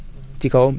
bërigo ndox